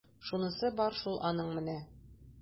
Шунысы бар шул аның менә! ..